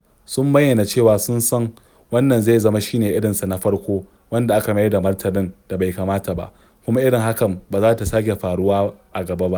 Sun bayyana cewa sun san "wannan zai zama shi ne irinsa na farko wanda aka mayar da martanin da bai kamata ba kuma irin hakan ba za ta sake faruwa a gaba ba".